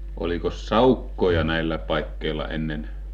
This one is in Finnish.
olikos saukkoja näillä paikkeilla ennen